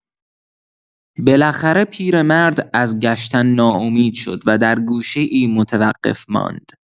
بالاخره پیرمرد از گشتن ناامید شد و در گوشه‌ای متوقف ماند.